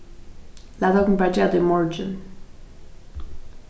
lat okkum bara gera tað í morgin